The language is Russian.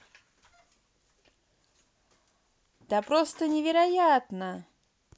да просто невероятно